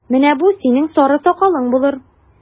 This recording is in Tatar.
Менә бу синең сары сакалың булыр!